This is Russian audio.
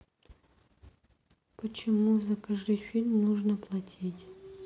почему закажи фильм нужно платить